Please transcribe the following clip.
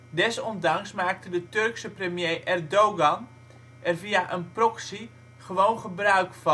Desondanks maakt de Turkse Premier Erdogan er via een proxy gewoon gebruik